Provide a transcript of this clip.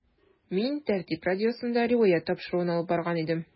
“мин “тәртип” радиосында “риваять” тапшыруын алып барган идем.